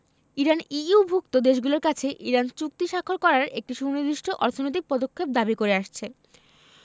Iran ইইউভুক্ত দেশগুলোর কাছে ইরান চুক্তি সাক্ষর করার একটি সুনির্দিষ্ট অর্থনৈতিক পদক্ষেপ দাবি করে আসছে